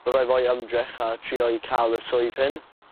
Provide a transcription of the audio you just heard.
byddai roi ymdrech a trio i ca'l y swydd hyn.